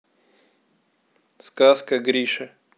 сказка гриша